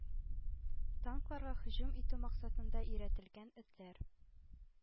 Танкларга һөҗүм итү максатында өйрәтелгән этләр